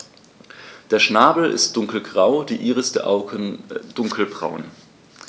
Der Schnabel ist dunkelgrau, die Iris der Augen dunkelbraun.